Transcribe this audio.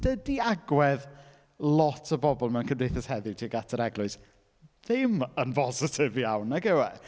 Dydi agwedd lot o bobl mewn cymdeithas heddiw tuag at yr Eglwys ddim yn bositif iawn nagyw e?